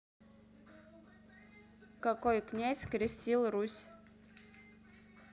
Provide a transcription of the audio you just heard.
какой князь крестил русь